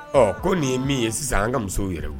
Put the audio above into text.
Ɔ ko nin ye min ye sisan an ka musow yɛrɛ